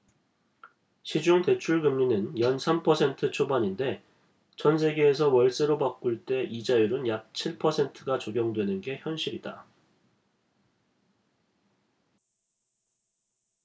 시중 대출금리는 연 삼 퍼센트 초반인데 전세에서 월세로 바꿀 때 이자율은 약 칠 퍼센트가 적용되는 게 현실이다